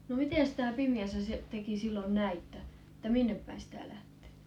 no miten sitä pimeässä tekin silloin näitte että minne päin sitä lähtee